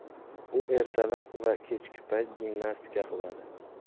u ertalab va kechki payt gimnastika qiladi